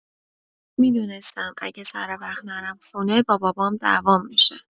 می‌دونستم اگه سروقت نرم خونه با بابا دعوام می‌شه.